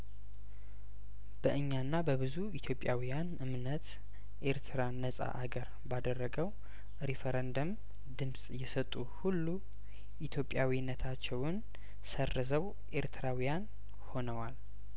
በእኛና በብዙ ኢትዮጵያውያን እምነት ኤርትራን ነጻ አገር ባደረገው ሪፍሬንደም ድምጽ የሰጡ ሁሉ ኢትዮጵያዊነታቸውን ሰርዘው ኤርትራውያን ሆነዋል